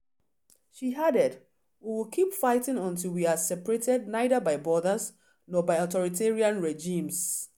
She added: “We will keep fighting until we are separated neither by borders nor by authoritarian regimes.”